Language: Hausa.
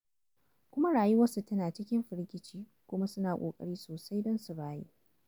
Kuma rayuwarsu tana cikin firgici kuma suna ƙoƙari sosai don su rayu.